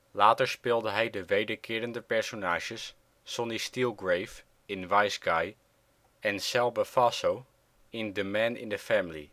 Later speelde hij de wederkerende personages Sonny Steelgrave in Wiseguy en Sal Bavasso in The Man in